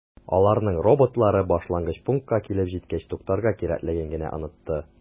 Аларның роботлары башлангыч пунктка килеп җиткәч туктарга кирәклеген генә “онытты”.